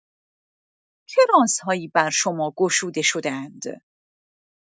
چه رازهایی برشما گشوده شده‌اند؟